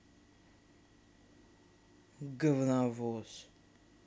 говновоз